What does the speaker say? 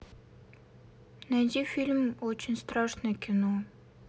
найди фильм очень страшное кино